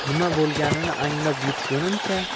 nima bo'lganini anglab yetgunimcha